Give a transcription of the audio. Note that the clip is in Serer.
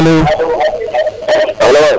alo